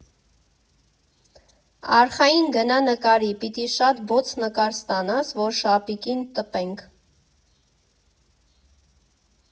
Արխային գնա նկարի, պիտի շատ բոց նկար ստանաս, որ շապիկին տպենք։